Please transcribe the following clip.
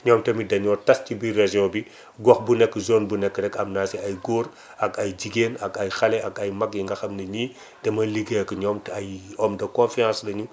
ñoom tamit dañoo tas ci biir région bi gox bu nekk zone bu nekk rek am naa si ay góor ak ay jigéen ak ay xale ak ay mag yi nga xam ni dama liggéey ak ñoom te ay hommes de confiance lañu